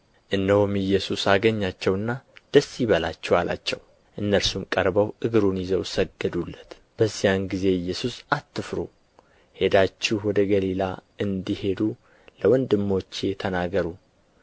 እነሆም ኢየሱስ አገኛቸውና ደስ ይበላችሁ አላቸው እነርሱም ቀርበው እግሩን ይዘው ሰገዱለት በዚያን ጊዜ ኢየሱስ አትፍሩ ሄዳችሁ ወደ ገሊላ እንዲሄዱ ለወንድሞቼ ተናገሩ